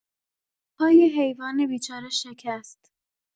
پای حیوان بیچاره شکست.